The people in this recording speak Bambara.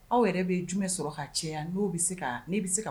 Aw yɛrɛ bɛ jumɛn sɔrɔ ka caya yan n'o bɛ se ka bɛ se ka